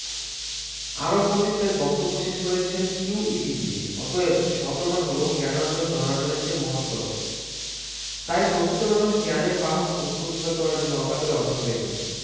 আরব পণ্ডিত তাই বক্তব্য শেষ করেছেন কিউ ই ডি দিয়ে অতএব সপ্রমাণ হল জ্ঞানার্জন ধনার্জনের চেয়ে মহত্তর তাই প্রকৃত মানুষ জ্ঞানের বাহন পুস্তক যোগাড় করার জন্য অকাতরে অর্থ ব্যয় করে